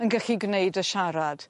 yn gallu gwneud y siarad.